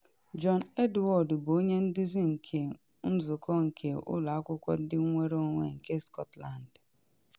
John Edward bụ Onye Nduzi nke Nzụkọ nke Ụlọ Akwụkwọ Ndị Nnwere Onwe nke Scotland